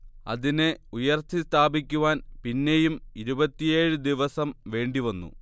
അതിനെ ഉയർത്തി സ്ഥാപിക്കുവാൻ പിന്നെയും ഇരുപത്തിയേഴ് ദിവസം വേണ്ടിവന്നു